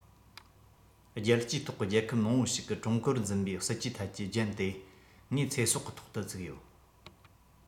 རྒྱལ སྤྱིའི ཐོག གི རྒྱལ ཁབ མང པོ ཞིག གི ཀྲུང གོར འཛིན པའི སྲིད ཇུས ཐད ཀྱི རྒྱན དེ ངའི ཚེ སྲོག གི ཐོག ཏུ བཙུགས ཡོད